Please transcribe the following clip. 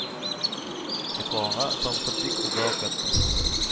Йоклаганга салышып бик озак яттым.